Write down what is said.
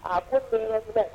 A ko sirajɛ kosɛbɛ